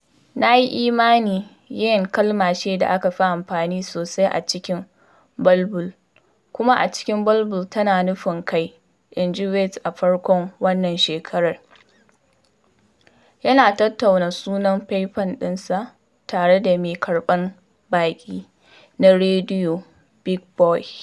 “Na yi imani ‘ye’ kalma ce da aka fi amfani sosai a cikin Baibul, kuma a cikin Baibul tana nufin ‘kai,” inji West a farkon wannan shekarar, yana tattauna sunan faifan ɗinsa tare da mai karɓan baƙi na rediyo Big Boy.